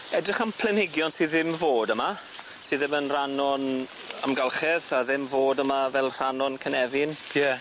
Edrych am planhigion sy ddim fod yma sy ddim yn rhan o'n amgylchedd a ddim fod yma fel rhan o'n cynefin. Ie.